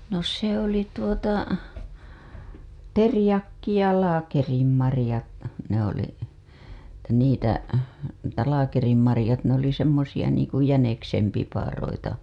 no se oli tuota teriakki ja laakerinmarjat ne oli - niitä että laakerinmarjat ne oli semmoisia niin kuin jäniksen piparoita